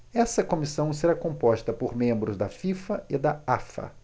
essa comissão será composta por membros da fifa e da afa